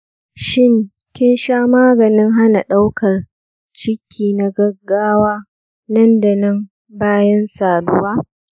shin kin sha maganin hana daukar ciki na gaggawa nan da nan bayan saduwa.